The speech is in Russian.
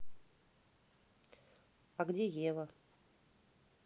а где ева